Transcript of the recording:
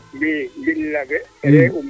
mbind abe re'um